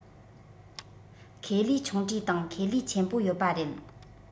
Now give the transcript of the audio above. ཁེ ལས ཆུང གྲས དང ཁེ ལས ཆེན པོ ཡོད པ རེད